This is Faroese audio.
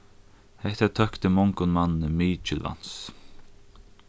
hetta tókti mongum manni mikil vansi